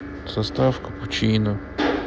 состав капучино